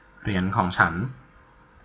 เหรียญของฉัน